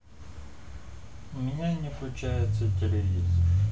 у меня не включается телевизор